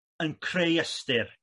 yn creu ystyr.